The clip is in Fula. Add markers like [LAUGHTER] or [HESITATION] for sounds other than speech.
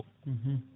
[HESITATION] [HESITATION]